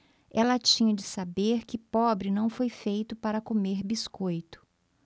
ela tinha de saber que pobre não foi feito para comer biscoito